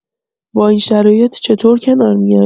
با این شرایط چطور کنار میای؟